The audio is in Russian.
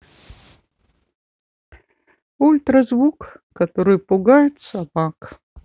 ультразвук который пугает собак